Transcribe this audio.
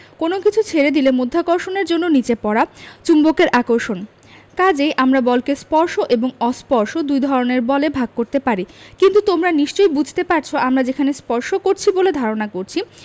কোনো কিছু ছেড়ে দিলে মধ্যাকর্ষণ বলের জন্য নিচে পড়া চুম্বকের আকর্ষণ কাজেই আমরা বলকে স্পর্শ এবং অস্পর্শ দুই ধরনের বলে ভাগ করতে পারি কিন্তু তোমরা নিশ্চয়ই বুঝতে পারছ আমরা যেখানে স্পর্শ করছি বলে ধারণা করছি